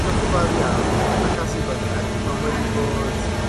diolch yn fawr iawn. Macasibyniag, ma'n wedi bod